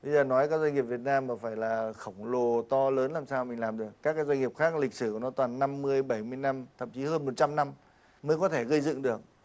bây giờ nói các doanh nghiệp việt nam và phải là khổng lồ to lớn làm sao mình làm được các doanh nghiệp khác lịch sử nó toàn năm mươi bảy mươi năm thậm chí hơn một trăm năm mới có thể gây dựng được